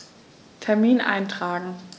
Termin eintragen